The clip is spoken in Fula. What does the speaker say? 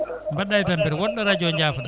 mbaɗɗa e tampere woɗɗo radio jaafoɗa